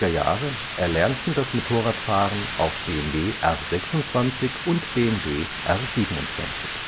1970er-Jahre erlernten das Motorradfahren auf BMW R 26 und R 27.